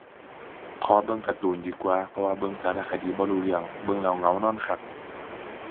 สำคัญ เพราะว่าในปัจจุบันก็ก็บัญชีธนาคารในการดำเนินชีวิตหลาย บ่ว่าสิเป็นสแกนจ่ายหรืออิหยังก็ตาม